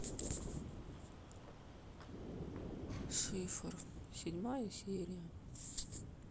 шифр седьмая серия